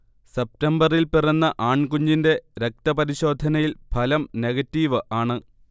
സെപ്റ്റംബറിൽ പിറന്ന ആൺകുഞ്ഞിന്റെ രക്തപരിശോധനയിൽ ഫലം നെഗറ്റീവ് ആണ്